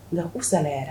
Nka u sarayara